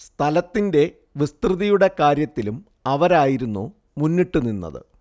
സ്ഥലത്തിന്റെ വിസ്തൃതിയുടെ കാര്യത്തിലും അവരായിരുന്നു മുന്നിട്ടുനിന്നത്